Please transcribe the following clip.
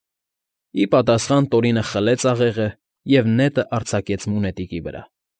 Ի պատասախան Տորինը խլեց աղեղը և նետը արձակեց մունետիկի վրա։